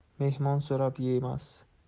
mehmon so'rab yemas